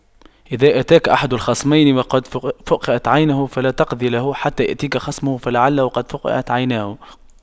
إذا أتاك أحد الخصمين وقد فُقِئَتْ عينه فلا تقض له حتى يأتيك خصمه فلعله قد فُقِئَتْ عيناه